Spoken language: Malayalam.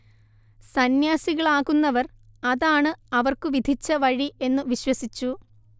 സന്യാസികളാകുന്നവർ അതാണ് അവർക്കു വിധിച്ച വഴി എന്നു വിശ്വസിച്ചു